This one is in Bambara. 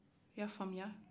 i y'a faamuya